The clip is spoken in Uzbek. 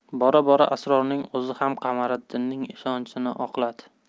bora bora asrorning o'zi xam qamariddinning ishonchini oqladi